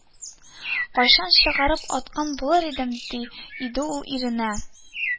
Кайчан чыгарып аткан булыр идем, – ди иде ул иренә